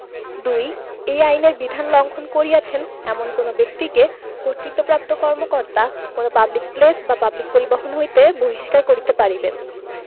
২ এই আইনের বিধান লংঘন করিয়অছেন এমন কোন ব্যক্তিকে কর্তৃত্বপ্রাপ্ত কর্মকর্তা কোন পাবলিক প্লেস বা পাবলিক পরিবহণ হইতে বহিষ্কার করিতে পারিবেন